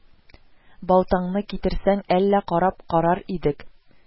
Балтаңны китерсәң, әллә карап карар идек